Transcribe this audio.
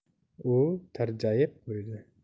u tirjayib qo'ydi